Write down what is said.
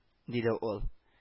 Диде ол